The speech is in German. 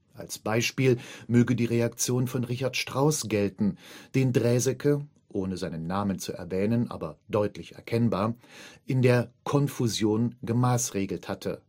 Als Beispiel möge die Reaktion von Richard Strauss gelten, den Draeseke – ohne seinen Namen zu erwähnen, aber deutlich erkennbar – in der Konfusion gemaßregelt hatte